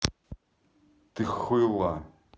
ты хуила